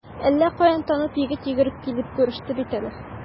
Әллә каян танып, егет йөгереп килеп күреште бит әле.